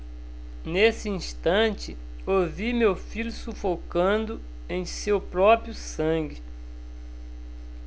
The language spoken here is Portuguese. nesse instante ouvi meu filho sufocando em seu próprio sangue